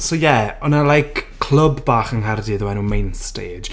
So ie, oedd 'na like clwb bach yng Nghaerdydd o enw Main Stage.